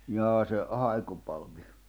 jaa se haikupalvi